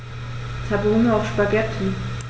Ich habe Hunger auf Spaghetti.